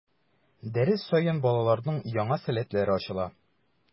Дәрес саен балаларның яңа сәләтләре ачыла.